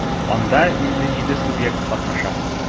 Анда 57 субъект катнаша.